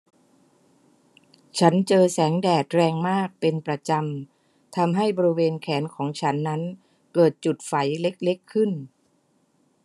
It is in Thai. ฉันเจอแสงแดดแรงมากเป็นประจำทำให้บริเวณแขนของฉันนั้นเกิดจุดไฝเล็กเล็กขึ้น